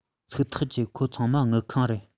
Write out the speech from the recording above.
ཚིག ཐག བཅད ཁོས ཚང མ དངུལ ཁང རེད